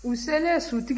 u selen sutigi fɛ